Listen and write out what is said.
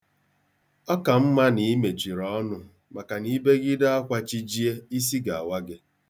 Ọ ka mma na i mechiri ọnụ maka na ibegide akwa chi jie, isi ga-awa gị.